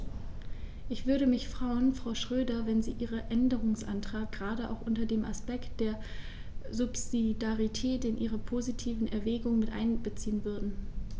Ich würde mich freuen, Frau Schroedter, wenn Sie diesen Änderungsantrag gerade auch unter dem Aspekt der Subsidiarität in Ihre positiven Erwägungen mit einbeziehen würden.